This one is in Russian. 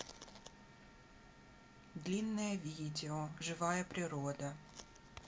длинное видео живая природа